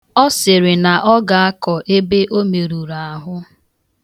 Ọ sịrị na ọ ga-akọ ebe o meruru ahụ